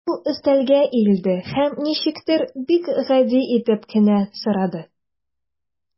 Ул өстәлгә иелде һәм ничектер бик гади итеп кенә сорады.